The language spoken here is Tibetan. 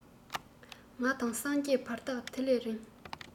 ང དང སངས རྒྱས བར ཐག དེ ལས རིང